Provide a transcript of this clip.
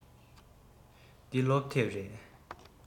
འདི སློབ དེབ རེད